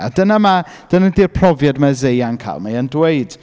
A dyna ma... Dyna 'di’r profiad mae Eseia’n cael. Mae e'n dweud...